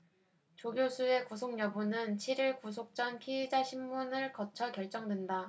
조 교수의 구속 여부는 칠 일 구속 전 피의자심문을 거쳐 결정된다